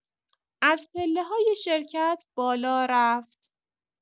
از پله‌های شرکت بالا رفت.